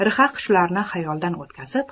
rhaq shularni xayoldan o'tkazib